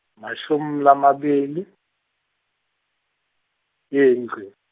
mashumi lamabili, Ingci.